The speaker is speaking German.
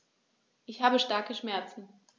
Ich habe starke Schmerzen.